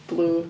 Blue.